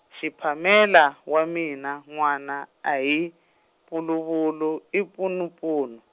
Shiphamela, wa mina, n'wana, a hi, puluvulu i punupunu.